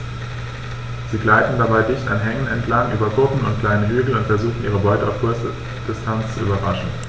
Sie gleiten dabei dicht an Hängen entlang, über Kuppen und kleine Hügel und versuchen ihre Beute auf kurze Distanz zu überraschen.